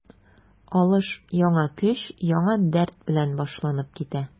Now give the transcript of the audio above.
Алыш яңа көч, яңа дәрт белән башланып китә.